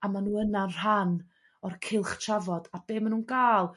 A ma' nhw yna'n rhan o'r cylch trafod a be' ma nhwn ga' l